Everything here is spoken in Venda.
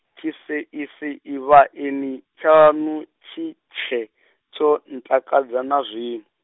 tshiseisavhaeni tshaṋu, tshi tshe, tsho ntakadza na zwino.